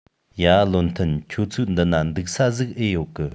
ཡ བློ མཐུན ཁྱོད ཚོའི འདི ན འདུག ས ཟིག ཨེ ཡོད གི